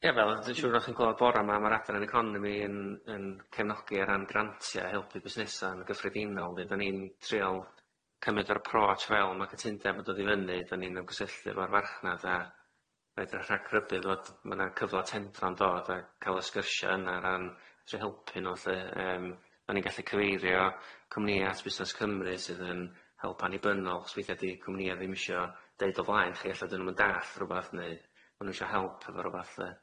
Ia fel dwi'n siŵr o'ch chi'n clwad bora ma' ma'r adran economi yn yn cefnogi ar ran grantia helpu busnesa yn gyffredinol, fyddan ni'n trial cymyd yr aproch fel ma' cytundeb yn dod i fyny 'dan ni mewn cysylltiad fo'r farchnad a wedyn rhag rybudd fod ma' 'na cyfla tendra'n dod a ca'l y sgyrsia yna ran trio helpu nw lly yym bo ni'n gallu cyfeirio cwmnïe at Busnes Cymru sydd yn help annibynnol chos weithie 'di cwmnïe ddim isho deud o flaen chi ella dyn nw'm yn dallt rwbath neu ma' nw isho help efo rwbath lly.